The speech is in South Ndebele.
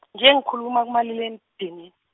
nje ngikhuluma kumaliledinini.